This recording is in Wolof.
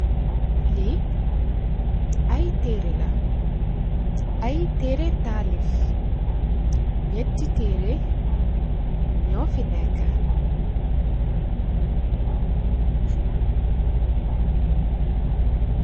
Li ay terreh la, ay terreh taalif ñetti terreh ñu fi nekka.